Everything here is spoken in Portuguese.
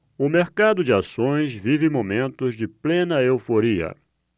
o mercado de ações vive momentos de plena euforia